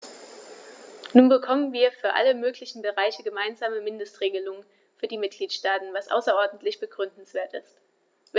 Nun bekommen wir für alle möglichen Bereiche gemeinsame Mindestregelungen für die Mitgliedstaaten, was außerordentlich begrüßenswert ist.